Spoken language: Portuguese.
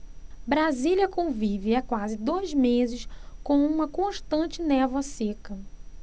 brasília convive há quase dois meses com uma constante névoa seca